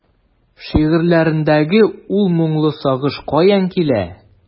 Шигырьләреңдәге ул моңлы сагыш каян килә?